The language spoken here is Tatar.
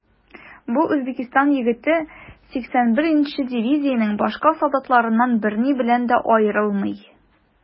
Бу Үзбәкстан егете 81 нче дивизиянең башка солдатларыннан берни белән дә аерылмый.